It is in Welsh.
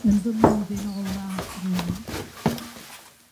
Yn fy mlwyddyn ola rŵan.